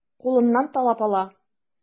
Кулыннан талап ала.